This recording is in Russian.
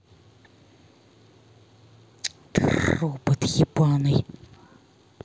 ты робот ебаный